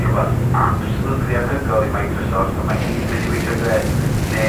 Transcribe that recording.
rwbeth absolutley anhygoel i Microsoft, a mae gyd yn mynd i weithio'n grêt. Ne'